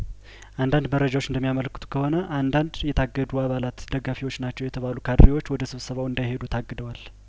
አንዳንድ መረጃዎች እንደሚያ መለክቱት ከሆነ አንዳንድ የታገዱ አባላት ደጋፊዎች ናቸው የተባሉ ካድሬዎች ወደ ስብሰባው እንዳይሄዱ ታግደዋል